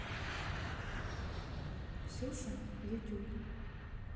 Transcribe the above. ксюша ютуб